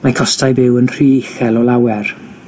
Mae costau byw yn rhy uchel o lawer.